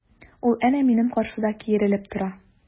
Ул әнә минем каршыда киерелеп тора!